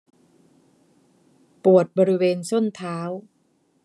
ปวดบริเวณส้นเท้า